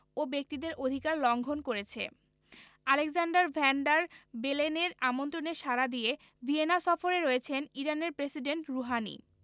এবং ব্যক্তিদের অধিকার লঙ্ঘন করেছে আলেক্সান্ডার ভ্যান ডার বেলেনের আমন্ত্রণে সাড়া দিয়ে ভিয়েনা সফরে রয়েছেন ইরানের প্রেসিডেন্ট রুহানি